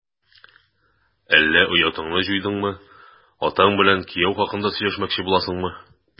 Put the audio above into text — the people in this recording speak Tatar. Әллә оятыңны җуйдыңмы, атаң белән кияү хакында сөйләшмәкче буласыңмы? ..